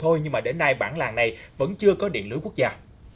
thôi nhưng mà đến nay bản làng này vẫn chưa có điện lưới quốc gia